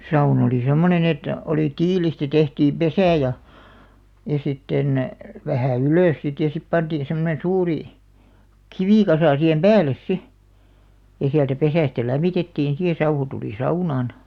sauna oli semmoinen että oli tiilistä tehtiin pesä ja ja sitten vähän ylös sitten ja sitten pantiin semmoinen suuri kivikasa siihen päälle sitten ja sieltä pesästä lämmitettiin sitten ja sauhu tuli saunaan